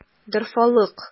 Дорфалык!